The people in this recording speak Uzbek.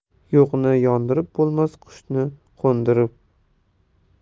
yo'qni yo'ndirib bo'lmas qushni qo'ndirib